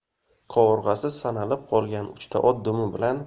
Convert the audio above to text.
qovurg'asi sanalib qolgan uchta ot dumi bilan